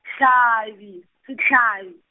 -hlabi, sehlabi.